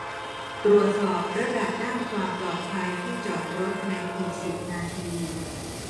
ตรวจสอบระดับด้านความปลอดภัยที่จอดรถในอีกสิบนาที